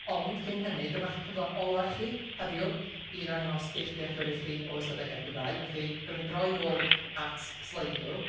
ond cyn hynny, dyma'ch cyfle ola chi heddiw i ddangos eich dealltwriaeth chi o ystadegau'r Gymraeg. Felly, gawn ni droi nôl at Slido.